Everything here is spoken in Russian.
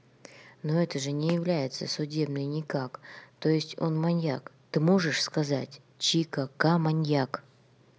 ну это же не является судебный никак то есть он маньяк ты можешь сказать чика ка маньяк